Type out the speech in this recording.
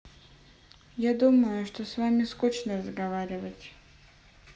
я думаю что с вами скучно разговаривать